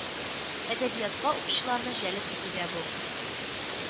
Әдәбиятка укучыларны җәлеп итүдә бу